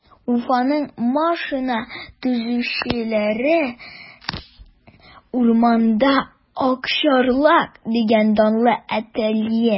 Уфаның Машина төзүчеләр урамында “Акчарлак” дигән данлы ателье бар.